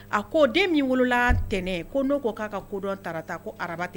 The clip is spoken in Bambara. A ko den min wolola ntɛnɛn ko n'o ko ka kodɔn tarata, ko araba tɛ